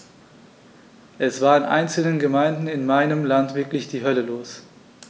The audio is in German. Es war in einzelnen Gemeinden in meinem Land wirklich die Hölle los.